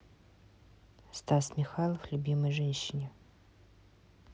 стас михайлов любимой женщине